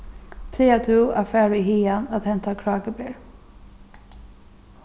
plagar tú at fara í hagan at henta krákuber